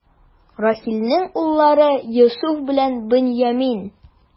Рахиләнең уллары: Йосыф белән Беньямин.